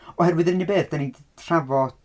Oherwydd yr unig beth dan ni 'di trafod...